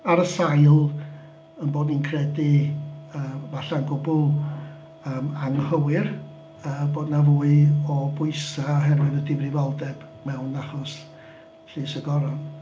Ar y sail ein bod ni'n credu yym falle'n gwbl yym anghywir yy bod 'na fwy o bwysau oherwydd y difrifoldeb mewn achos llys y goron.